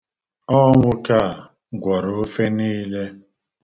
Ọ nwoke a gwọrọ ofe niile.